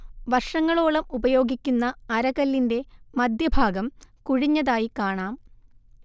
വർഷങ്ങളോളം ഉപയോഗിക്കുന്ന അരകല്ലിന്റെ മധ്യഭാഗം കുഴിഞ്ഞതായി കാണാം